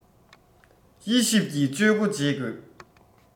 དབྱེ ཞིག ཀྱི དཔྱོད སྒོ འབྱེད དགོས